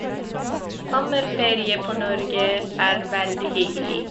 Sommerferie på Norge er veldig hyggelig.